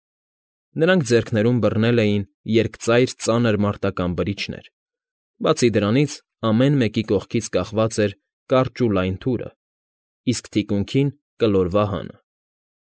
Նրանք ձեռքներում բռնել էին երկծայր ծանր մարտական բրիչներ, բացի դրանից ամեն մեկի կողքին կախված էր կարճ ու լայն թուրը, իսկ թիկունքին՝ կլոր վահանը։